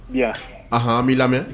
Aan b'i lamɛn